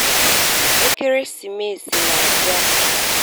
Ekeresimesi na-abịa.